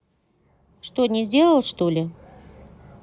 что не сделал что ли